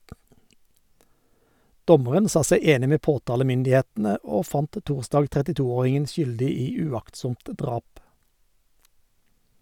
Dommeren sa seg enig med påtalemyndighetene, og fant torsdag 32-åringen skyldig i uaktsomt drap.